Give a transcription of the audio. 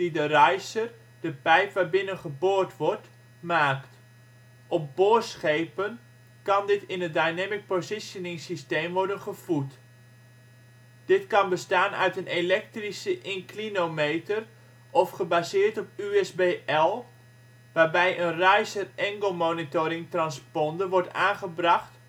de pijp waarbinnen geboord wordt, maakt. Op boorschepen kan dit in het dynamic positioning-systeem worden gevoed. Dit kan bestaan uit een elektrische inclinometer of gebaseerd op USBL, waarbij een riser angle monitoring-transponder wordt aangebracht